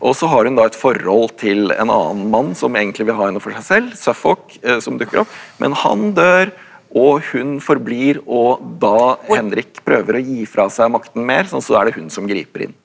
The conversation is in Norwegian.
og så har hun da et forhold til en annen mann som egentlig vil ha henne for seg selv, Suffolk som dukker opp, men han dør og hun forblir og da Henrik prøver å gi fra seg makten mer sånn så er det hun som griper inn.